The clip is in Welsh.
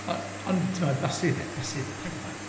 On- ond tibod, basith e, basith e, paid â poeni.